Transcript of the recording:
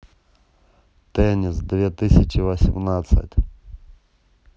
теннис две тысячи восемнадцать